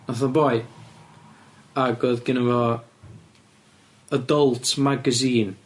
Natho boi ag o'dd gynno fo Adult magazine.